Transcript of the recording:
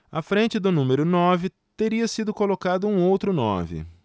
à frente do número nove teria sido colocado um outro nove